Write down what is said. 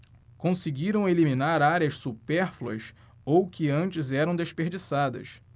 conseguiram eliminar áreas supérfluas ou que antes eram desperdiçadas